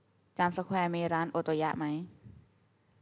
จามสแควร์มีร้านโอโตยะไหม